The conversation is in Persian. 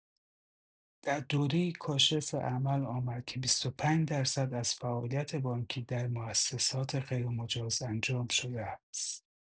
در دوره‌ای کاشف به عمل آمد که ۲۵ درصد از فعالیت بانکی در موسسات غیرمجاز انجام‌شده است